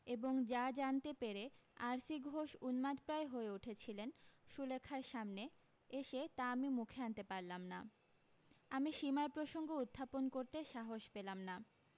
এবং যা জানতে পেরে আর সি ঘোষ উন্মাদপ্রায় হয়ে উঠেছিলেন সুলেখার সামনে এসে তা আমি মুখে আনতে পারলাম না আমি সীমার প্রসঙ্গ উত্থাপন করতে সাহস পেলাম না